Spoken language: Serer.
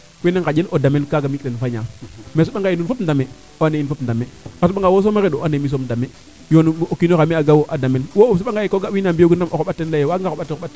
wiin we ngaƴel o damel kaaga mi ten im fañaa mais a soɓanga yee nuun fop ndame o ande nuun fop ndame a soɓanga wo sooma are u a ande wo soom dame yoon o kinoxa mi'a ga u a damel wo o soɓanmga yee ko ga wiin waa mbiyo gun o xoɓataden o waaga nga xoɓantid a xoɓat